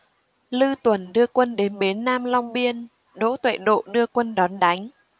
lư tuần đưa quân đến bến nam long biên đỗ tuệ độ đưa quân đón đánh